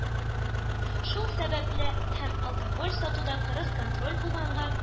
Шул сәбәпле һәм алкоголь сатуга кырыс контроль булганга